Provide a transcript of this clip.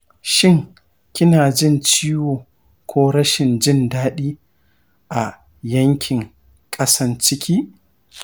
shin kina jin ciwo ko rashin jin daɗi a yankin ƙasan ciki ?